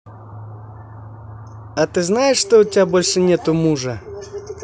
а ты знаешь что у тебя больше нету мужа